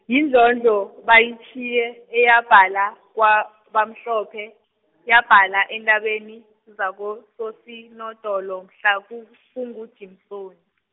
yindlondlo , bayitjhiye eyabhala, kwabamhlophe, yabhala eentabeni, zakoSoSinodolo mhla ku- kunguJimsoni .